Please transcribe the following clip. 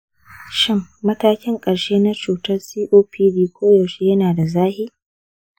shin matakin ƙarshe na cutar copd koyaushe yana da zafi?